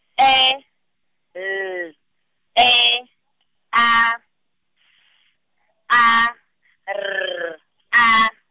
E L E A F A R A.